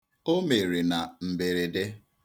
O mere na mberede.